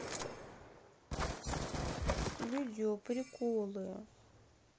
видео приколы